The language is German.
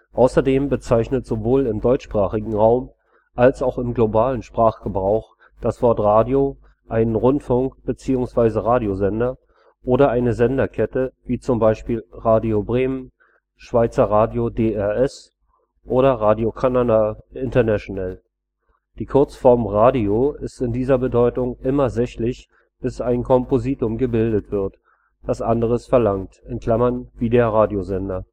Außerdem bezeichnet sowohl im deutschsprachigen Raum, als auch im globalen Sprachgebrauch das Wort Radio einen Rundfunk - bzw. Radiosender oder eine Sender-Kette wie z. B. Radio Bremen, Schweizer Radio DRS oder Radio Canada International. Die Kurzform Radio ist in dieser Bedeutung immer sächlich bis ein Kompositum gebildet wird, das anderes verlangt (wie der Radiosender